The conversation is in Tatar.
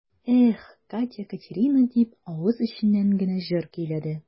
Эх, Катя-Катерина дип, авыз эченнән генә җыр көйләде.